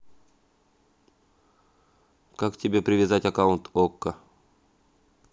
как к тебе привязать аккаунт okko